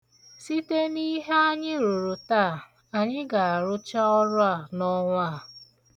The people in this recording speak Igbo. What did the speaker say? Site n'ihe anyị rụrụ taa, anyị ga-arụcha ọrụ a n'ọnwa a.